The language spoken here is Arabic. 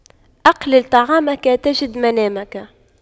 أقلل طعامك تجد منامك